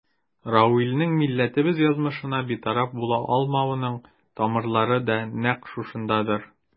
Равилнең милләтебез язмышына битараф була алмавының тамырлары да нәкъ шундадыр.